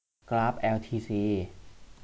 กราฟแอลทีซี